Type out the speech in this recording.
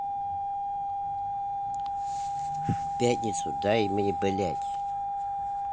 в пятницу дай мне блять